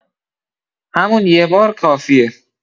همون یه بار کافیه